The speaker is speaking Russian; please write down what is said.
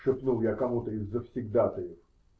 -- шепнул я кому-то из завсегдатаев.